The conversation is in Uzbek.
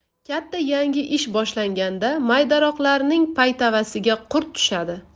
katta yangi ish boshlaganda maydaroqlarining paytavasiga qurt tushadi